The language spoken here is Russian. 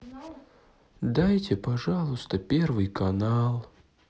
дайте пожалуйста первый канал